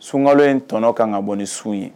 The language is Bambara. Sunka in tɔɔnɔ kan ka bɔ ni sun ye